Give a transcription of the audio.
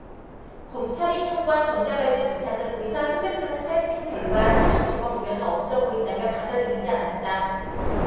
검찰이 청구한 전자발찌 부착은 의사 소견 등을 살핀 결과 살인 재범 우려는 없어 보인다며 받아들이지 않았다